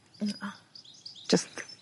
Na. Jyst